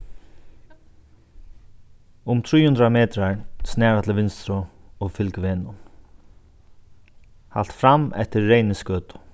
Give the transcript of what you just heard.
um trý hundrað metrar snara til vinstru og fylg vegnum halt fram eftir reynisgøtu